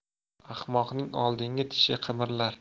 ahmoqning oldingi tishi qimirlar